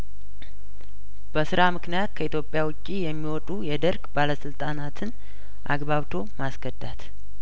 በስራ ምክንያት ከኢትዮጵያ ውጪ የሚወጡ የደርግ ባለስልጣናትን አግባብቶ ማስከዳት